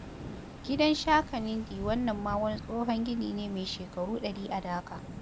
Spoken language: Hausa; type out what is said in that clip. Gidan ShakhaNidhi Wannan ma wani tsohon gini ne mai shekaru ɗari a Dhaka.